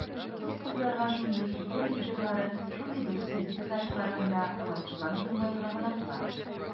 Дус кызларга шундый "фикер лидерлары" шундый дөрес вердиктлар чыгарганда, уңайсызланып елмаерга гына кала.